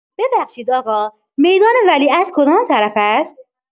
ببخشید آقا، میدان ولیعصر کدام طرف است؟